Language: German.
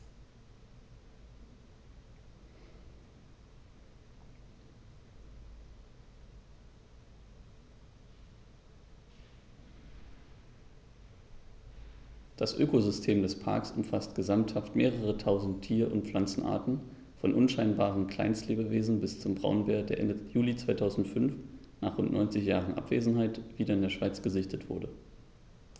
Das Ökosystem des Parks umfasst gesamthaft mehrere tausend Tier- und Pflanzenarten, von unscheinbaren Kleinstlebewesen bis zum Braunbär, der Ende Juli 2005, nach rund 90 Jahren Abwesenheit, wieder in der Schweiz gesichtet wurde.